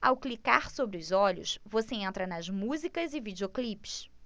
ao clicar sobre os olhos você entra nas músicas e videoclipes